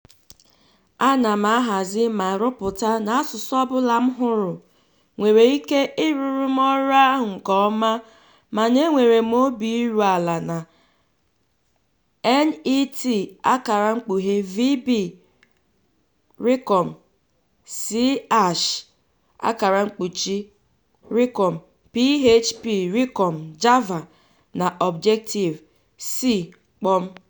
Ana m ahazi ma rụpụta n'asụsụ ọbụla m hụrụ nwere ike ịrụrụ m ọrụ ahụ nke ọma mana enwere m obi iru ala na .NET (VB, C#), PHP, java na Objective C.